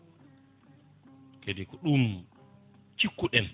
kadi ko ɗum cikku ɗen